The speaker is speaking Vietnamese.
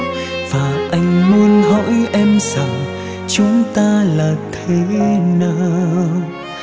và anh muốn hỏi anh rằng chúng ta là thế nào